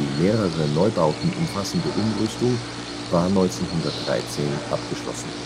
mehrere Neubauten umfassende Umrüstung war 1913 abgeschlossen